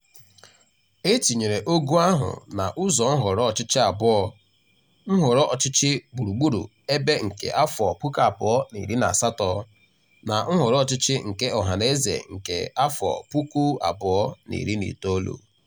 E tinyere ogo ahụ na ụzọ nhọrọ ọchịchị abụọ ---nhọrọ ọchịchị gburugburu ebe nke 2018 na nhọrọ ọchịchị nke ọhanaeze nke 2019.